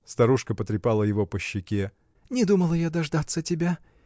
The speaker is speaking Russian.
-- Старушка потрепала его по щеке. -- Не думала я дождаться тебя